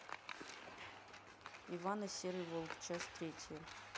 иван и серый волк часть третья